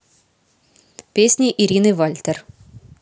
песни ирины вальтер